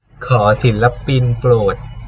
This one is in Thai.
ขอศิลปินโปรด